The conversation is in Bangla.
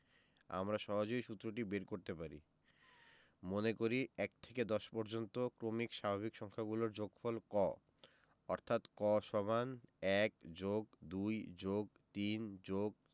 আমরা সহজেই সুত্রটি বের করতে পারি মনে করি ১ থেকে ১০ পর্যন্ত ক্রমিক স্বাভাবিক সংখ্যাগুলোর যোগফল ক অর্থাৎ ক = ১+২+৩+